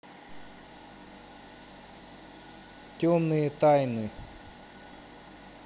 темные тайны